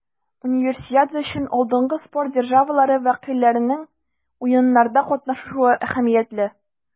Универсиада өчен алдынгы спорт державалары вәкилләренең Уеннарда катнашуы әһәмиятле.